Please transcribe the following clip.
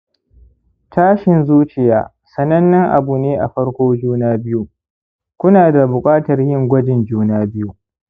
tashin zuciya sanannen abu ne a farko juna-biyu, ku na da buƙatar yin gwajin juna-biyu